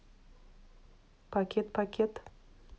пакет пакет